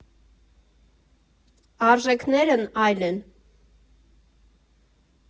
Արժեքներն այլ են։